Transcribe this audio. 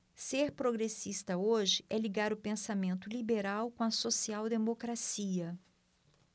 ser progressista hoje é ligar o pensamento liberal com a social democracia